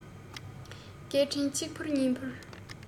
སྐད འཕྲིན གཅིག ཕུར གཉིས ཕུར